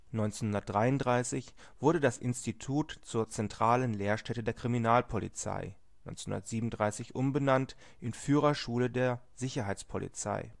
1933 wurde das Institut zur zentralen Lehrstätte der Kriminalpolizei, 1937 umbenannt in " Führerschule der Sicherheitspolizei